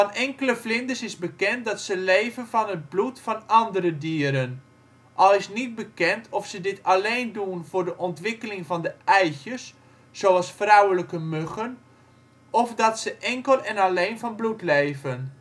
enkele vlinders is bekend dat ze leven van het bloed van andere dieren, al is niet bekend of ze dit alleen doen voor de ontwikkeling van de eitjes (zoals vrouwelijke muggen), of dat ze enkel en alleen van bloed leven